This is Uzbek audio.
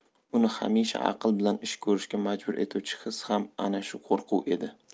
uni hamisha aql bilan ish ko'rishga majbur etuvchi his ham ana shu qo'rquv edi